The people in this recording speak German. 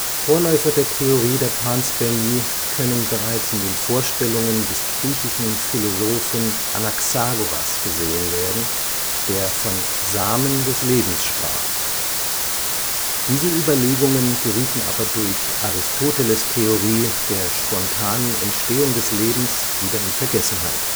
Vorläufer der Theorie der Panspermie können bereits in den Vorstellungen des griechischen Philosophen Anaxagoras gesehen werden, der von „ Samen des Lebens “sprach. Diese Überlegungen gerieten aber durch Aristoteles’ Theorie der spontanen Entstehung des Lebens wieder in Vergessenheit